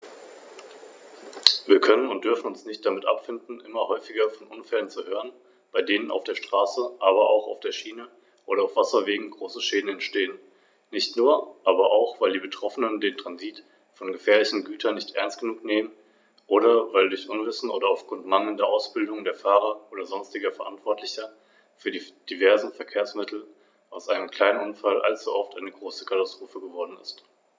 Ich danke Frau Schroedter für den fundierten Bericht.